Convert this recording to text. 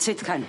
Tyd Ken.